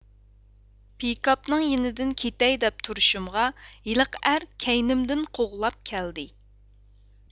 پىكاپنىڭ يېنىدىن كېتەي دەپ تۇرۇشۇمغا ھېلىقى ئەر كەينىمدىن قوغلاپ كەلدى